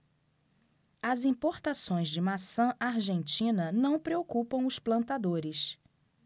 as importações de maçã argentina não preocupam os plantadores